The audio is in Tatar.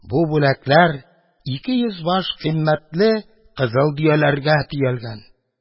Бу бүләкләр ике йөз баш кыйммәтле кызыл дөяләргә төялгән.